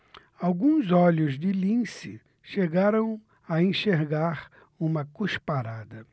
alguns olhos de lince chegaram a enxergar uma cusparada